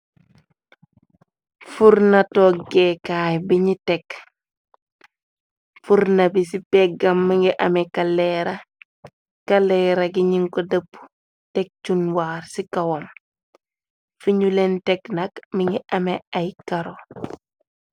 furnatoggeekaay bi ñi tekk furna bi ci peggam mingi ame kalleera kaleera gi nin ko dëpp teg cunwaar ci kawam fi ñu leen teg nak mi ngi ame ay karo.